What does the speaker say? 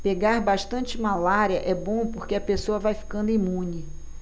pegar bastante malária é bom porque a pessoa vai ficando imune